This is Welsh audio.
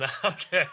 Na ocê.